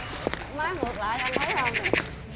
má ngược lại anh thấy hông